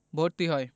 ভর্তি হয়